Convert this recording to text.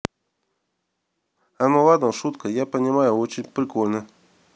а ну ладно шутка я понимаю очень прикольно